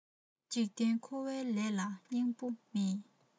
འཇིག རྟེན འཁོར བའི ལས ལ སྙིང པོ མེད